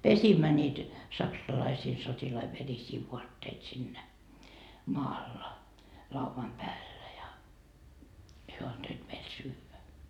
pesimme niitä saksalaisten sotilaiden verisiä vaatteita siinä maalla laudan päällä ja he antoivat meille syödä